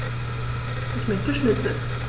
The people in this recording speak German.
Ich möchte Schnitzel.